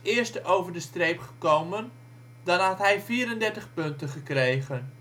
eerste over de streep gekomen, dan had hij 34 punten gekregen